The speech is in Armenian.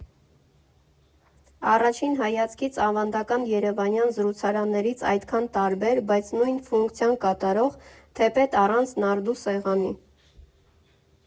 Առաջին հայացքից ավանդական երևանյան զրուցարաններից այդքան տարբեր, բայց նույն ֆունկցիան կատարող (թեպետ, առանց նարդու սեղանի)։